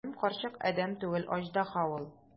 Минем карчык адәм түгел, аждаһа ул!